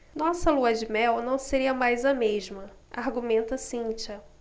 nossa lua-de-mel não seria mais a mesma argumenta cíntia